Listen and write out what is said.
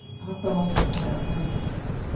hatta mást tú fara at melda